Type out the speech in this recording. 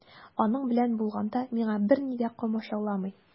Аның белән булганда миңа берни дә комачауламый.